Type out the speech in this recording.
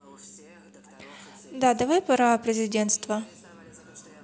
да давай про президентство